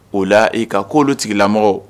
O la i ka ko tigila